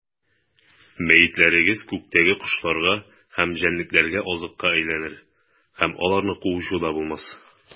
Мәетләрегез күктәге кошларга һәм җәнлекләргә азыкка әйләнер, һәм аларны куучы да булмас.